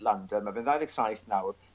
Landa ma' fe'n dau ddeg saith nawr